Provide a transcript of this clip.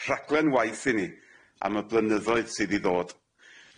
rhaglen waith i ni am y blynyddoedd sydd i ddod.